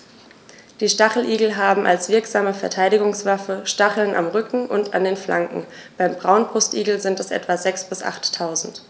Die Stacheligel haben als wirksame Verteidigungswaffe Stacheln am Rücken und an den Flanken (beim Braunbrustigel sind es etwa sechs- bis achttausend).